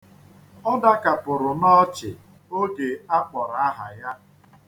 Ọ dakapụrụ n'ọchị oge a kpọrọ aha ya.